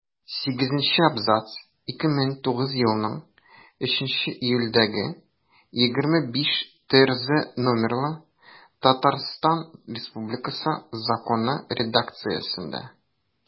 Сигезенче абзац 2009 елның 3 июлендәге 25-ТРЗ номерлы Татарстан Республикасы Законы редакциясендә.